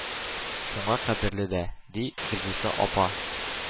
Шуңа кадерле дә!” – ди Гөлзифа апа.